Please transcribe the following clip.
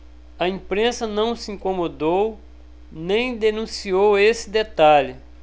a imprensa não se incomodou nem denunciou esse detalhe